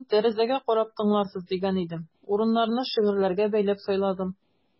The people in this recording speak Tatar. Мин тәрәзәгә карап тыңларсыз дигән идем: урыннарны шигырьләргә бәйләп сайладым.